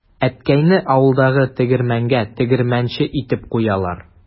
Әткәйне авылдагы тегермәнгә тегермәнче итеп куялар.